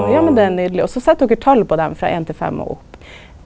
ja men det er nydeleg, og så set dokker tal på dei frå ein til fem og opp.